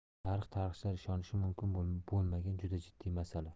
tarix tarixchilar ishonishi mumkin bo'lmagan juda jiddiy masala